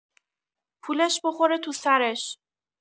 پولش بخوره تو سرش.